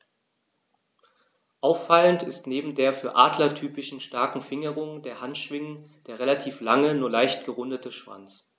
Auffallend ist neben der für Adler typischen starken Fingerung der Handschwingen der relativ lange, nur leicht gerundete Schwanz.